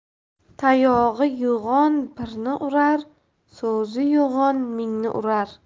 tayog'i yo'g'on birni urar so'zi yo'g'on mingni urar